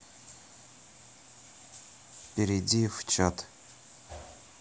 перейди в чат